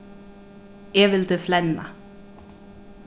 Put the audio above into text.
eg vildi flenna